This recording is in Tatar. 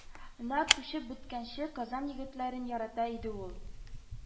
На күчеп беткәнче, казан егетләрен ярата иде ул»,